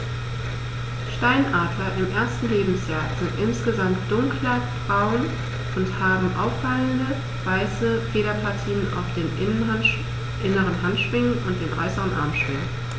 Steinadler im ersten Lebensjahr sind insgesamt dunkler braun und haben auffallende, weiße Federpartien auf den inneren Handschwingen und den äußeren Armschwingen.